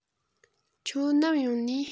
ཁྱོད ནམ ཡོང ནིས